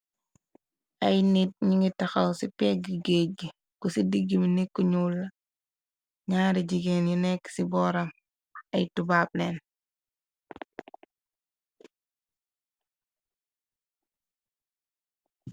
Ay nit ñi ngi taxaw ci pégg géej gi, ku ci digg bi nit ku ñuul la, ñaare jigéen yu nekk ci booram ay tubaab leen.